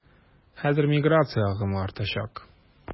Хәзер миграция агымы артачак.